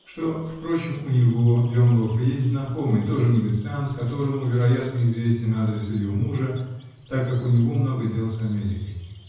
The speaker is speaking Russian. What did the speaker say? что, впрочем, у него, Донгофа, есть знакомый, тоже негоциант, которому, вероятно, известен адрес ее мужа, так как у него много дел с Америкой.